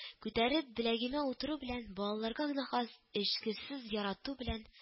— күтәреп беләгемә утырту белән, балаларга гына хас эчкерсез ярату белән